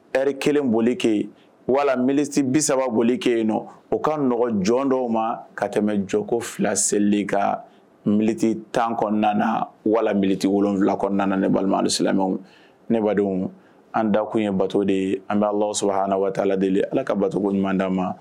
Ri kelen boli ke yen wala bisa boli ke yen nɔ o kaɔgɔn jɔn dɔw ma ka tɛmɛ jɔko fila seli ka moti tan kɔnɔna walalanbiliti wolon wolonwula kɔnɔna ne balima silamɛw nedenw an da kun ye bato de ye an b'a sɔrɔ ha waati deli ala ka batoko ɲuman' ma